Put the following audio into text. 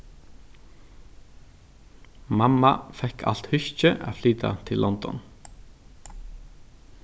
mamma fekk alt húskið at flyta til london